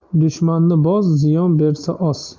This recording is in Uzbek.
dushmanni bos ziyon bersa os